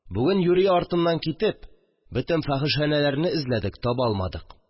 Бүген юри артыннан китеп, бөтен фәхешханәләрне эзләдек, таба алмадык